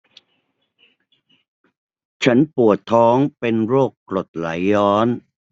ฉันปวดท้องเป็นโรคกรดไหลย้อน